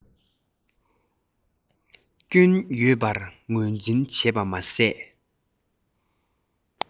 སྐྱོན ཡོད པར ངོས འཛིན བྱས པ མ ཟད